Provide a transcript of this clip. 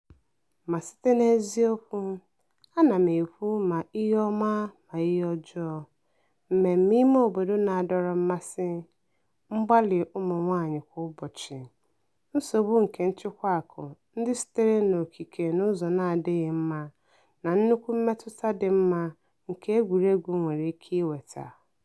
Ma site n'eziokwu, ana m ekwu ma ihe ọma ma ihe ọjọọ: mmemme imeobodo na-adọrọ mmasị, mgbalị ụmụnwaanyị kwa ụbọchị, nsogbu nke nchịkwa akụ ndị sitere n'okike n'ụzọ n'adịghị mma, na nnukwu mmetụta dị mma nke egwuruegwu nwere ike iwete.